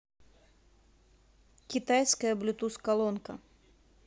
китайская блютус колонка